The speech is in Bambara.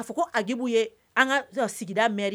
A'a fɔ ko akibu ye an ka sigidameri ye